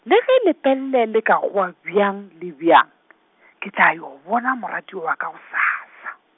le ge Lepelle le ka goa bjang le bjang , ke tla yo bona moratiwa wa ka gosasa.